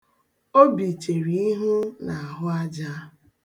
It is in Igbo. Obi chere ihu n'ahụaja.